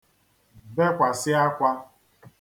bekwàsị akwā